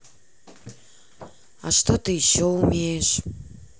а что ты еще умеешь